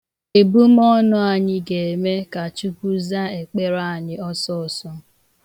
Ebumọnụ anyị ga-eme ka Chukwu zaa ekpere anyị ọsọsọọ.